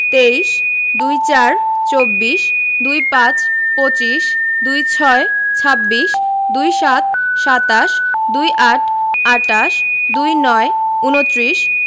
– তেইশ ২৪ – চব্বিশ ২৫ – পঁচিশ ২৬ – ছাব্বিশ ২৭ – সাতাশ ২৮ - আটাশ ২৯ -ঊনত্রিশ